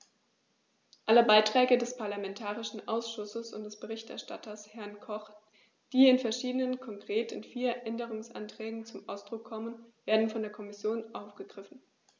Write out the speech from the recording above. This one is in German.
Alle Beiträge des parlamentarischen Ausschusses und des Berichterstatters, Herrn Koch, die in verschiedenen, konkret in vier, Änderungsanträgen zum Ausdruck kommen, werden von der Kommission aufgegriffen.